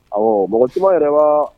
Awɔ mɔgɔ caman yɛrɛ ka